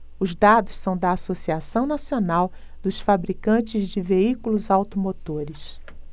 os dados são da anfavea associação nacional dos fabricantes de veículos automotores